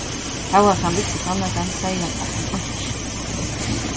hóast hann visti sannleikan segði hann okkum einki